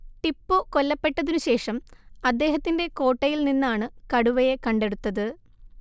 ടിപ്പൂ കൊല്ലപ്പെട്ടതിനുശേഷം അദ്ദേഹത്തിന്റെ കോട്ടയിൽ നിന്നാണ് കടുവയെ കണ്ടെടുത്തത്